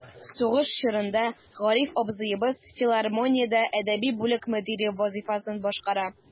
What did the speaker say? Сугыш чорында Гариф абзыебыз филармониядә әдәби бүлек мөдире вазыйфасын башкара.